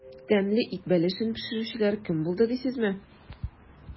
Тәмле ит бәлешен пешерүчеләр кем булды дисезме?